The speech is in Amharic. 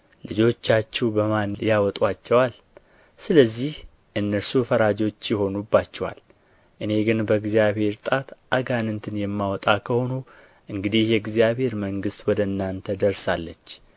ልጆቻችሁ በማን ያወጡአቸዋል ስለዚህ እነርሱ ፈራጆች ይሆኑባችኋል እኔ ግን በእግዚአብሔር ጣት አጋንንትን የማወጣ ከሆንሁ እንግዲህ የእግዚአብሔር መንግሥት ወደ እናንተ ደርሳለች